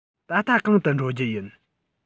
ད ལྟ གང དུ འགྲོ རྒྱུ ཡིན